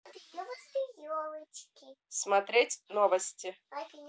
смотреть новости